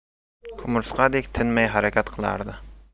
qumursqadek tinmay harakat qilardi